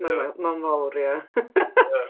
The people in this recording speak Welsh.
Mae'n mae'n fawr ia .